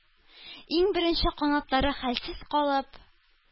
Иң беренче канатлары хәлсез калып,